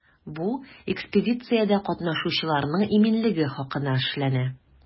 Бу экспедициядә катнашучыларның иминлеге хакына эшләнә.